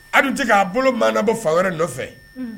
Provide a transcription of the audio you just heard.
Hali dun tɛ a bolo manabɔ fan wɛrɛ nɔfɛ